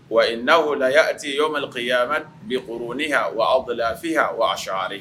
Wa n'a'o la'ati yɔrɔma ka mɛ bi orin aw bɛɛ a fɔ h acwari